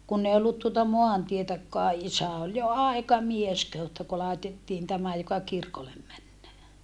kun ei ollut tuota maantietäkään isä oli jo aikamies kehui että kun laitettiin tämä joka kirkolle menee